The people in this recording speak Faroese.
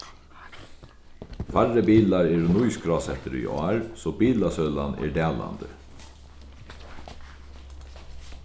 færri bilar eru nýskrásettir í ár so bilasølan er dalandi